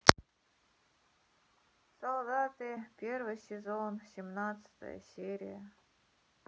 солдаты первый сезон семнадцатая серия